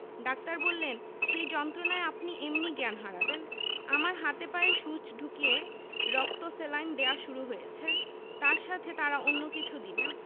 doctor বললেন সেই যন্ত্রণায় আপনি এমনি জ্ঞান হারাবেন আমার হাতে পায়ে সুচ ঢুকিয়ে তখন রক্ত স্যালাইন দেওয়া শুরু হয়েছে তার সাথে তারা অন্য কিছু দিলেন